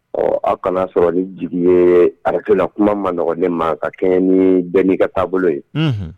Ɔ aw kan'a sɔrɔ ni jigi ye arajolakuma man nɔgɔn ne ma ka kɛɲɛ ni bɛɛ n'i ka taabolo ye